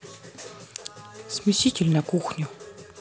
смеситель на кухню